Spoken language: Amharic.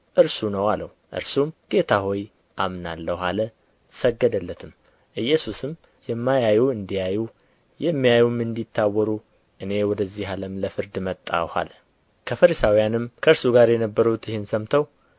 እርሱ ነው አለው እርሱም ጌታ ሆይ አምናለሁ አለ ሰገደለትም ኢየሱስም የማያዩ እንዲያዩ የሚያዩም እንዲታወሩ እኔ ወደዚህ ዓለም ለፍርድ መጣሁ አለ ከፈሪሳውያንም ከእርሱ ጋር የነበሩት ይህን ሰምተው